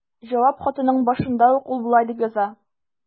Җавап хатының башында ук ул болай дип яза.